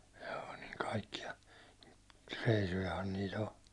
joo niin kaikkia reissujahan niitä on